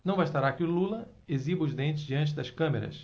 não bastará que lula exiba os dentes diante das câmeras